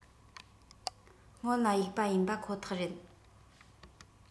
སྔོན ལ གཡུག པ ཡིན པ ཁོ ཐག རེད